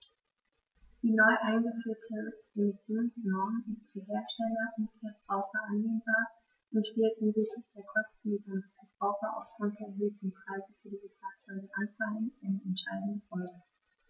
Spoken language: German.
Die neu eingeführte Emissionsnorm ist für Hersteller und Verbraucher annehmbar und spielt hinsichtlich der Kosten, die beim Verbraucher aufgrund der erhöhten Preise für diese Fahrzeuge anfallen, eine entscheidende Rolle.